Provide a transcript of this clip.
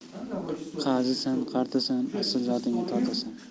qazisan qartasan asl zotingga tortasan